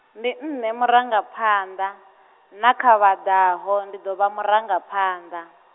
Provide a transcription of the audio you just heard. ndi nṋe murangaphanḓa, nakha vha ḓaho ndi ḓo vha muranga phanḓa.